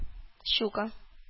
Щука